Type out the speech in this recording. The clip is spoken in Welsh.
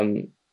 yym